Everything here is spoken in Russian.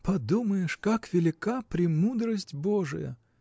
Подумаешь, как велика премудрость божия!